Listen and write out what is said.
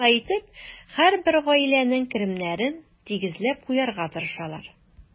Шулай итеп, һәрбер гаиләнең керемнәрен тигезләп куярга тырышалар.